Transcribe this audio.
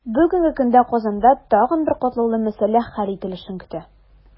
Бүгенге көндә Казанда тагын бер катлаулы мәсьәлә хәл ителешен көтә.